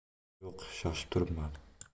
yo'q shoshib turibman